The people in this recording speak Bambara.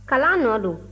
kalan nɔ don